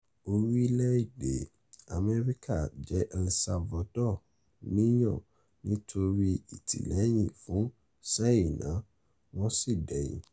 Orílẹ̀-èdè Amẹ́ríkà jẹ́ El Salvador níyà nítorí Ìtìlẹ́yìn fún Ṣáínà, Wọ́n sì dẹ̀yìn.